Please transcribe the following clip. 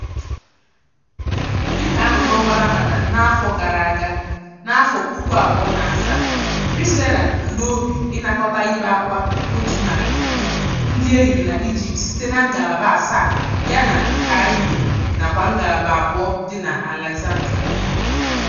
Dịka a nọ n'ọnwa Ramadan n'afọ gara aga (n'afọ puku abụọ na asaa), Resala bu n'obi ịnakọta ibé akwa otu narị puku ndị e yiri na Egypt site na ngalaba asaa ya na Cairo nakwa ngalaba abụọ dị n'Alexandria.